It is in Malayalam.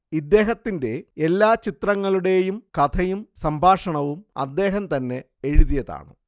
ഇദ്ദേഹത്തിന്റെ എല്ലാ ചിത്രങ്ങളുടെയും കഥയും സംഭാഷണവും അദ്ദേഹംതന്നെ എഴുതിയതാണ്